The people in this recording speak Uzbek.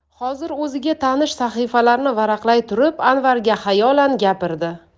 hozir o'ziga tanish sahifalarni varaqlay turib anvarga xayolan gapirdi